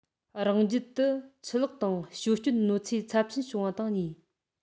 རང རྒྱལ དུ ཆུ ལོག དང ཞོད སྐྱོན གནོད འཚེ ཚབས ཆེན བྱུང བ དང གཉིས